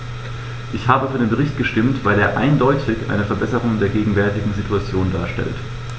Ich habe für den Bericht gestimmt, weil er eindeutig eine Verbesserung der gegenwärtigen Situation darstellt.